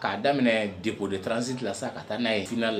Ka daminɛ dépôt de transite la sa, ka taa na ye